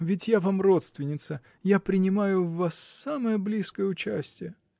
ведь я вам родственница, я принимаю в вас самое близкое участие.